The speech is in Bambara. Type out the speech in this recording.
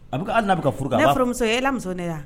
A bɛ ala a furua sɔrɔ muso ye e lamimuso ne